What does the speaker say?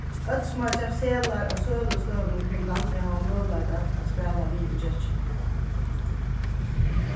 øll sum hava keypt seðlar á sølustøðunum kring landið hava møguleika at spæla við í gekkinum